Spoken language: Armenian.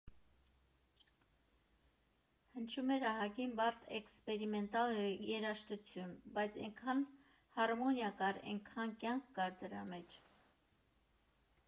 Հնչում էր ահագին բարդ էքսպերիմենտալ երաժշտություն, բայց էնքան հարմոնիա կար, էնքան կյանք կար դրա մեջ։